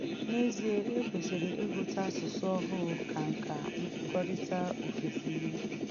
N’ezie, ekwesịrị ịhụta asụsụ ọhụụ ka “nka nkwukọrịta ofesi.”